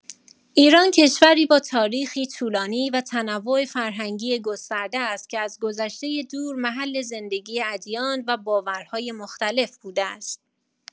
ایران کشوری با تاریخی طولانی و تنوع فرهنگی گسترده است که از گذشته دور محل زندگی ادیان و باورهای مختلف بوده است.